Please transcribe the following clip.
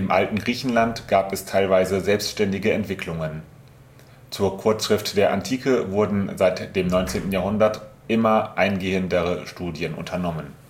alten Griechenland gab es teilweise selbstständige Entwicklungen. Zur Kurzschrift der Antike wurden seit dem 19. Jahrhundert immer eingehendere Studien unternommen